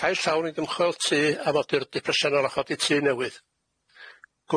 Cais llawn i ddymchwel tŷ a modurdy presennol a chodi tŷ newydd.